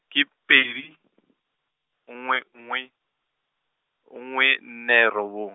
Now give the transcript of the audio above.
ke pedi, nngwe nngwe, nngwe nne robong.